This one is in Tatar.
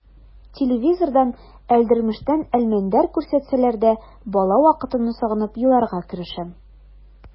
Телевизордан «Әлдермештән Әлмәндәр» күрсәтсәләр дә бала вакытымны сагынып еларга керешәм.